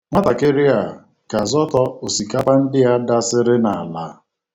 Nwatakịrị a ga-azọtọ osikapa ndị a dasịrị n'ala.